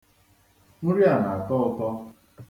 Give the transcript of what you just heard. Nri a na-atọ ụtọ.